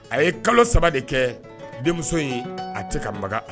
A ye kalo saba de kɛ denmuso ye a tɛ ka